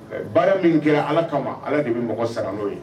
Baara min kɛra ala kama ala de bɛ mɔgɔ san n'o ye